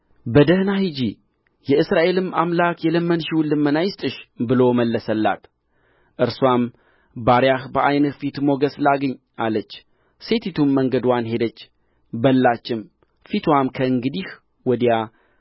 በደኅና ሂጂ የእስራኤልም አምላክ የለመንሽውን ልመና ይስጥሽ ብሎ መለሰላት እርስዋም ባሪያህ በዓይንህ ፊት ሞገስ ላግኝ አለች ሴቲቱም መንገድዋን ሄደች በላችም ፊትዋም ከእንግዲህ ወዲያ